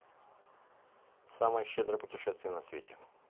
самое щедрое путешествие на свете